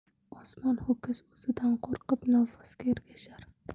ozman ho'kiz o'zidan qo'rqib novvosga ergashar